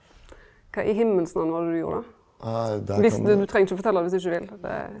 kva i himmelens namn var det du gjorde da, viss du du treng ikkje fortelja det viss du ikkje vil det.